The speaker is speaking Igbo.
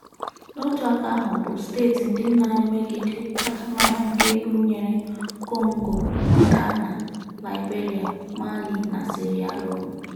N'otu aka ahụ bụ steeti ndị na-emegide azụmahịa nke gunyere Congo, Ghana, Liberia, Mali na Sierra Leone.